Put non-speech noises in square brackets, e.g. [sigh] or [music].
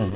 [hesitation] [hesitation]